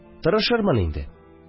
Тырышырмын инде